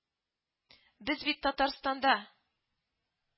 - без бит татарстанда